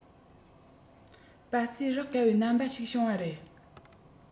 སྤ སེ རག དཀའ བའི རྣམ པ ཞིག བྱུང བ རེད